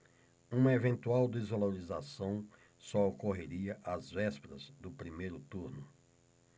uma eventual desvalorização só ocorreria às vésperas do primeiro turno